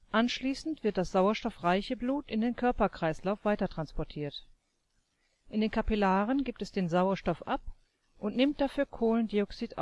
Anschließend wird das sauerstoffreiche Blut in den Körperkreislauf weitertransportiert. In den Kapillaren gibt es den Sauerstoff ab und nimmt dafür Kohlendioxid